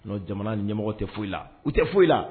N'o jamana ɲɛmɔgɔ tɛ foyi la u tɛ foyi la